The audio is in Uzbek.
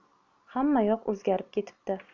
hammayoq o'zgarib ketibdi